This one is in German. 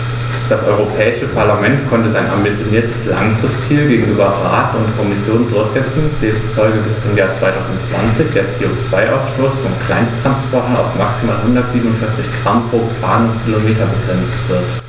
Das Europäische Parlament konnte sein ambitioniertes Langfristziel gegenüber Rat und Kommission durchsetzen, demzufolge bis zum Jahr 2020 der CO2-Ausstoß von Kleinsttransportern auf maximal 147 Gramm pro gefahrenem Kilometer begrenzt wird.